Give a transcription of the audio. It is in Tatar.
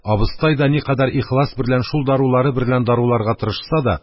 Абыстай да никадәр ихлас берлән шул дарулары берлән даруларга тырышса да,